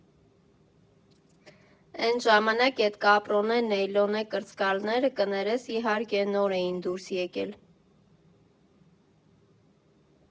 Էն ժամանակ էտ կապրոնե, նեյլոնե կրծկալները, կներես իհարկե, նոր էին դուրս էկել։